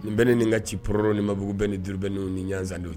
Nin bɛɛ ni nin ka ci poro ni mabugu bɛɛ ni duurubɛnnen ni ɲsandenw